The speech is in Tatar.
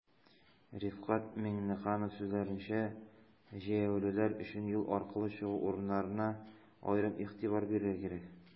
Рифкать Миңнеханов сүзләренчә, җәяүлеләр өчен юл аркылы чыгу урыннарына аерым игътибар бирергә кирәк.